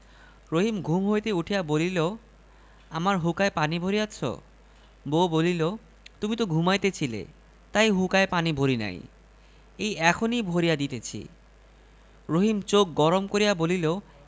রহিম ঘুম হইতে উঠিয়া বলিল আমার হুঁকায় পানি ভরিয়াছ বউ বলিল তুমি তো ঘুমাইতেছিলে তাই হুঁকায় পানি ভরি নাই এই এখনই ভরিয়া দিতেছি রহিম চোখ গরম করিয়া বলিল